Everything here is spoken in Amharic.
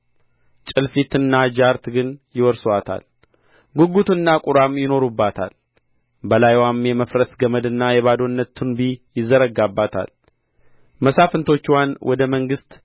ጭልፊትና ጃርት ግን ይወርሱአታል ጕጕትና ቍራም ይኖሩባታል በላይዋም የመፍረስ ገመድና የባዶነት ቱንቢ ይዘረጋባታል መሳፍንቶችዋን ወደ መንግሥት